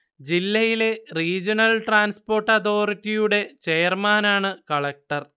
ജില്ലയിലെ regional transport അതോറിറ്റിയുടെ ചെയർമാനാണ് കളക്ടർ